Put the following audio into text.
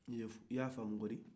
i y'a faamu ko di